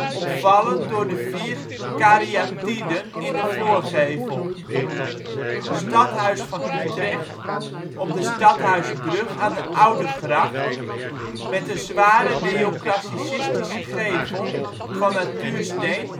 opvallend door de vier kariatiden in de voorgevel. Stadhuis van Utrecht op de Stadhuisbrug aan de Oudegracht, met een zware neoclassicistische gevel van natuursteen uit 1826-1847